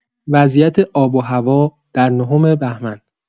وضعیت آب و هوا در نهم بهمن